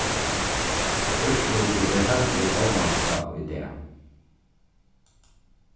úrslitið er heldur óvæntað í dag